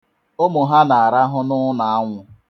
Ụmụ ha na-arahụ ụra n'ụlọanwụ